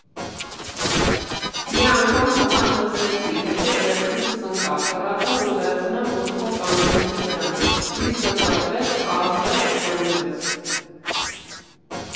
Մի անգամ խմած լսեցի, հետո ձեռքիցս ընկավ, կռացա, որ վերցնեմ՝ ոտքով կանգնեցի վրան, դիսկը ծռվեց, խազվեց, զոհվեց…